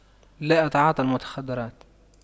لا أتعاطى المخدرات